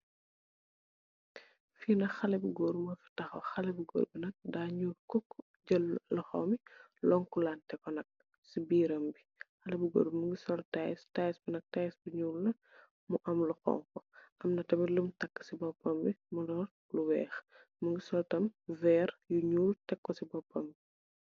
Li haleh bu goor bu tahow bu nyeoul kukk jel lihom lelkuu lanteh ko ce birram bi, haleh bu goor bi nk mugeih sol tasee bu nyeoul bu am lu hong ku, amna tamit lum takek ce bopambi luu weeh mugeih sol lonett bu nyeoul tek ko ce bopam bi.